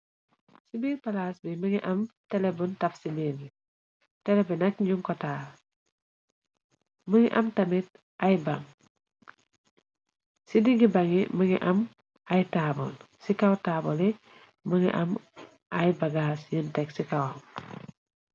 Ci biir palaas bi mëngi am telebin taf ci miir ngi telebinak. Njun kotaar mëngi am tamit ay ban ci di ngi bangi mëngi. Am ay taabon ci kaw taabole mëngi am ay bagas yeenteg ci kawam.